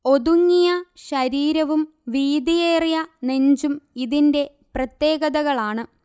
ഒതുങ്ങിയ ശരീരവും വീതിയേറിയ നെഞ്ചും ഇതിന്റെ പ്രത്യേകതകളാണ്